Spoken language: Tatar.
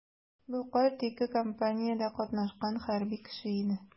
Бу карт ике кампаниядә катнашкан хәрби кеше иде.